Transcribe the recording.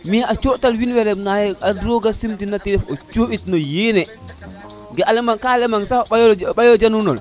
mais a cota le wine na roga sim tina te o coɗit no yene ga ka lemaŋ sa o ɓayo jano nole